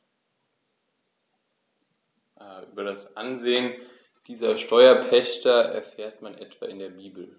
Über das Ansehen dieser Steuerpächter erfährt man etwa in der Bibel.